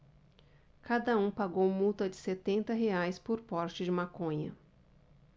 cada um pagou multa de setenta reais por porte de maconha